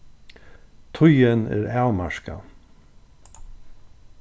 tíðin er avmarkað